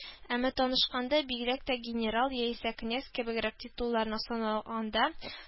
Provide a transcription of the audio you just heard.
Әмма танышканда, бигрәк тә «генерал» яисә «князь» кебегрәк титулларны сана анда